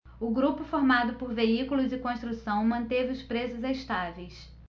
o grupo formado por veículos e construção manteve os preços estáveis